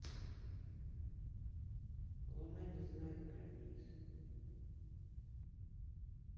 луна не знает границ